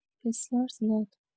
بسیار زیاد